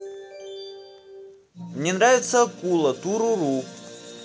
мне нравится акула туруру